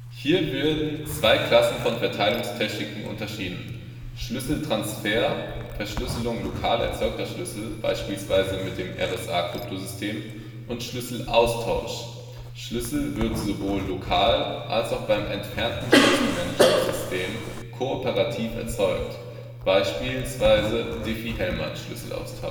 Hier werden zwei Klassen von Verteilungstechniken unterschieden: Schlüsseltransfer (Verschlüsselung lokal erzeugter Schlüssel, bspw. mit dem RSA-Kryptosystem) und Schlüsselaustausch (Schlüssel wird sowohl lokal als auch beim entfernten Schlüsselmanagementsystem kooperativ erzeugt, bspw. Diffie-Hellman-Schlüsselaustausch